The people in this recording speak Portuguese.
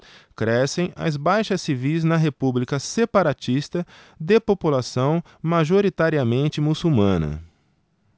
crescem as baixas civis na república separatista de população majoritariamente muçulmana